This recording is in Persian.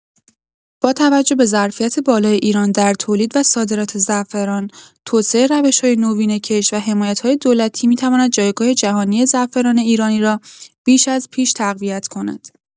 با توجه به ظرفیت بالای ایران در تولید و صادرات زعفران، توسعه روش‌های نوین کشت و حمایت‌های دولتی می‌تواند جایگاه جهانی زعفران ایرانی را بیش از پیش تقویت کند.